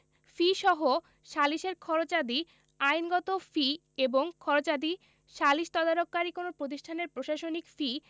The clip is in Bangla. ফিসহ সালিসের খরচাদি আইনগত ফি এবং খরচাদি সালিস তদারককারী কোন প্রতিষ্ঠানের প্রশাসনিক ফি